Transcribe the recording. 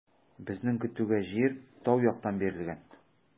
Безнең көтүгә җир тау яктан бирелгән.